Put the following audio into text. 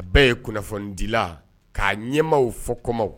Bɛɛ ye kunnafonidila k'a ɲɛmaaw fɔ kɔmaaw